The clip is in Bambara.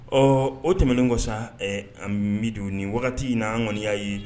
Ɔ o tɛmɛnen ko sa an bi don nin wagati in na an kɔniyaa ye